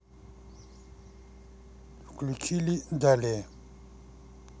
включили далее